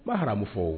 Ma hamu fɔ